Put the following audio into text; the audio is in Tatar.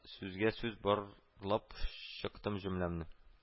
Сүзгә-сүз барлап чыктым җөмләмне